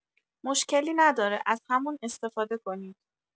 مشکلی نداره از همون استفاده کنید.